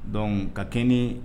Donc ka kɛ ni